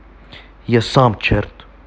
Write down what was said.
я сам черт